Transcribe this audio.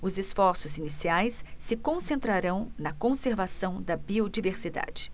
os esforços iniciais se concentrarão na conservação da biodiversidade